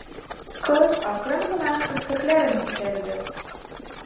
Кыз акрын гына керфекләрен күтәрде.